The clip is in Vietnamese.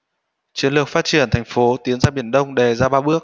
chiến lược phát triển thành phố tiến ra biển đông đề ra ba bước